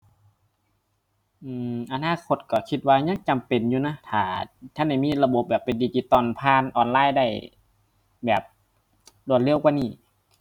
อืม อนาคตก็คิดว่ายังจำเป็นอยู่นะ ถ้าทันได้มีระบบแบบเป็นดิจิทัล ผ่านออนไลน์ได้แบบรวดเร็วกว่านี้